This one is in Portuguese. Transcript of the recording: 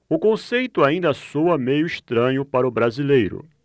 o conceito ainda soa meio estranho para o brasileiro